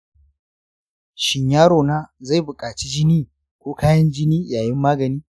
shin yaro na zai buƙaci jini ko kayan jini yayin magani?